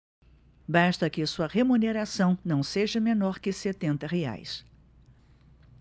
basta que sua remuneração não seja menor que setenta reais